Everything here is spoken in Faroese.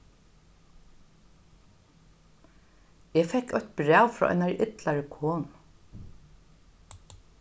eg fekk eitt bræv frá einari illari konu